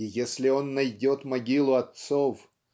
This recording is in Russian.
И если он найдет могилу отцов